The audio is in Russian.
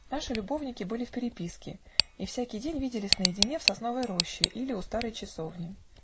Наши любовники были в переписке, и всякий день видались наедине в сосновой роще или у старой часовни.